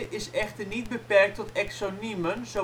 is echter niet beperkt tot exoniemen